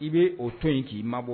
I bɛ o to in k'i mabɔ bɔ